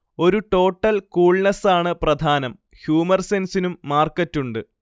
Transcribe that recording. ഒരു ടോട്ടൽ കൂൾനെസ്സാണ് പ്രധാനം ഹ്യൂമെർസെൻസിനും മാർക്കറ്റുണ്ട്